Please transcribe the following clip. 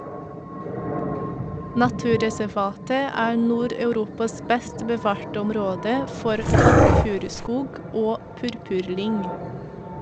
Naturreservatet er Nord-Europas best bevarte område for kalkfuruskog og purpurlyng.